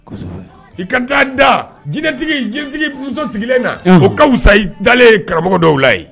I ka taa da jinɛtigi jiritigi muso sigilen na ko kasa i dalen karamɔgɔ dɔw la